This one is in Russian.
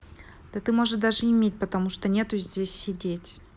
да ты может даже иметь потому что нету здесь сидеть